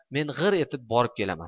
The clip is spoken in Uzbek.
men g'ir etib borib kelaman